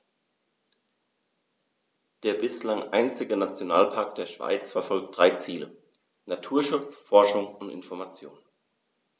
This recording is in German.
Der bislang einzige Nationalpark der Schweiz verfolgt drei Ziele: Naturschutz, Forschung und Information.